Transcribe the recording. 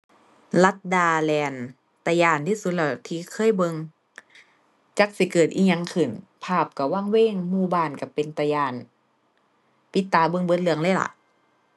ลัดดาแลนด์ ตาย้านที่สุดแล้วที่เคยเบิ่ง จักสิเกิดอิหยังขึ้นภาพก็วังเวง หมู่บ้านก็เป็นตาย้าน ปิดตาเบิ่งเบิดเรื่องเลยล่ะ